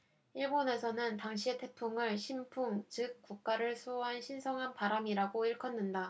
일본에서는 당시의 태풍을 신풍 즉 국가를 수호한 신성한 바람이라고 일컫는다